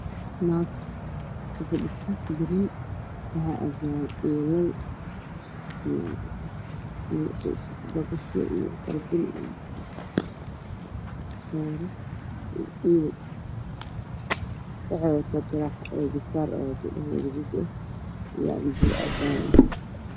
Naag ku fadhiso dareen waxay haysaa alaab hiddiyo dhaqan waxay ka kooban yihiin midabkooda waa madow gabasaarka ay qabto waxaa ka dambeeyay aqal hori